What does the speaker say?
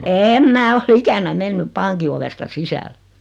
en minä ole ikänä mennyt pankin ovesta sisälle